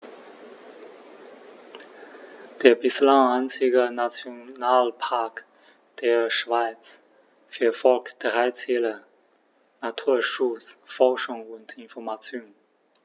Der bislang einzige Nationalpark der Schweiz verfolgt drei Ziele: Naturschutz, Forschung und Information.